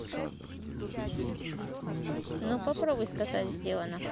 ну попробуй сказать сделано